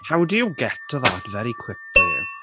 How do you get to that very quickly?